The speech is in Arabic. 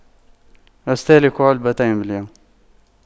استهلك علبتين باليوم